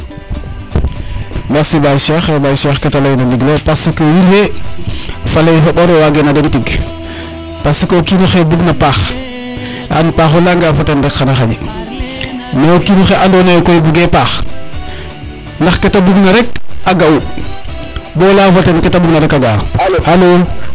merci Baye Cheikh Baye Cheikh kete leyana ndigilo parce que wiin we faley fa ɓor wage na den tig parce que o kinoxe bug na paax a an paax o leyanga fo ten rek xana xaƴmais o kino xe ando naye koy buge paax ndax kete bug na rek a ga u bo leya fo ten kete bug na rek a ga a alo